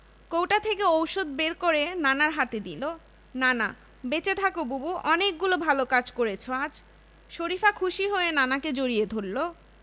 কৌটা থেকে ঔষধ বের করে নানার হাতে দিল নানা বেঁচে থাকো বুবু অনেকগুলো ভালো কাজ করেছ আজ শরিফা খুশি হয়ে নানাকে জড়িয়ে ধরল